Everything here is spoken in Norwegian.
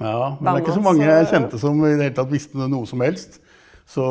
ja, men det er ikke så mange jeg kjente som i det hele tatt visste noe som helst så